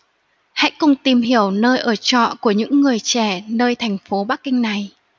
hãy cùng tìm hiểu nơi ở trọ của những người trẻ nơi thành phố bắc kinh này